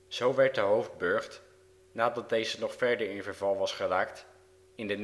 Zo werd de hoofdburcht, nadat deze nog verder in verval was geraakt, in de